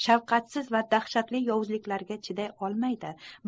shafqatsiz va dahshatli yovuzliklarga chiday olmaydi